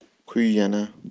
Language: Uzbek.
quy yana